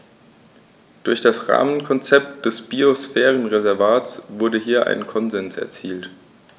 Durch das Rahmenkonzept des Biosphärenreservates wurde hier ein Konsens erzielt.